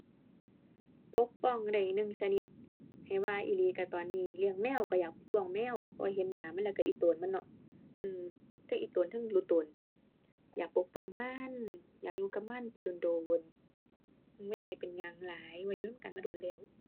ปกป้องได้หนึ่งชนิด ให้ว่าอีหลีก็ตอนนี้เลี้ยงแมวก็อยากปกป้องแมว เพราะเห็นหน้ามันแล้วก็อิโตนมันเนาะ อือ เทิงอิโตนเทิงหลุโตน อยากปกป้องมัน อยากอยู่กับมันไปโดนโดน บ่อยากให้เป็นหยังหลาย เพราะอยู่นำกันมาโดนแล้ว